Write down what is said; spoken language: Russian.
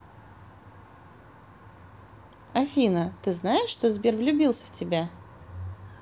афина ты знаешь что сбер влюбился в тебя